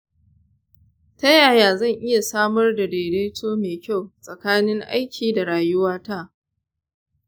ta yaya zan iya samar da daidaito mai kyau tsakanin aiki da rayuwata?